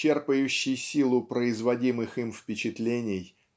черпающий силу производимых им впечатлений